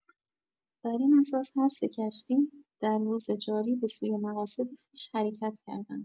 بر این اساس هر سه کشتی در روز جاری بسوی مقاصد خویش حرکت کردند.